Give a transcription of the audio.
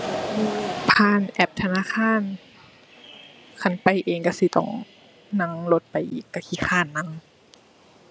ผ่านแอปธนาคาร คันไปเองก็สิต้องนั่งรถไปอีก ก็ขี้คร้านนั่ง